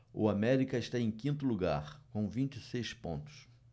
o américa está em quinto lugar com vinte e seis pontos